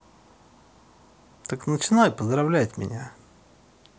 так начинай поздравлять меня